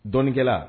Dɔɔninkɛla